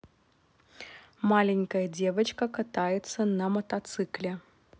маленькая девочка катается на мотоцикле